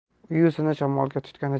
u yuzini shamolga